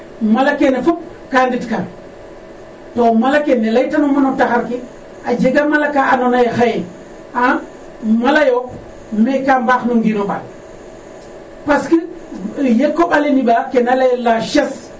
mala kene fop ka ndetka to mala ke ne laytanuma no taxar ke, a jega mala ka andoona yee xaye mala yo mais ka mbaax no ngiin o ɓaal parce que ye koƥ ale niɓaa kena layel la chasse.